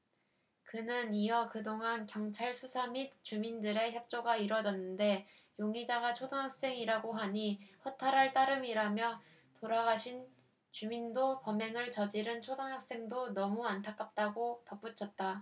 그는 이어 그동안 경찰 수사 및 주민들의 협조가 이뤄졌는데 용의자가 초등학생이라고 하니 허탈할 따름이라며 돌아가신 주민도 범행을 저지른 초등학생도 너무 안타깝다고 덧붙였다